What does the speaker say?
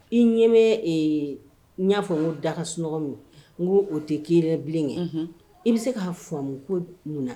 I ɲɛmɛ n y'a fɔ n' daka sunɔgɔ min n ko o tɛ kei yɛrɛ bilen kɛ i bɛ se k'a fɔ a ko